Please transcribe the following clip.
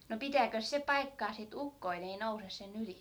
no pitääkös se paikkaansa että ukkonen ei nouse sen yli